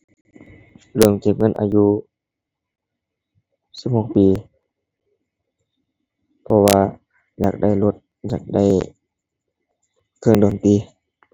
เริ่มเก็บเงินอายุสิบหกปี เพราะว่าอยากได้รถ อยากได้เครื่องดนตรี